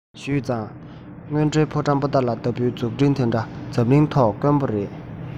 ཞུས ཙང དངོས འབྲེལ ཕོ བྲང པོ ཏ ལ ལྟ བུའི འཛུགས སྐྲུན དེ འདྲ འཛམ གླིང ཐོག དཀོན པོ རེད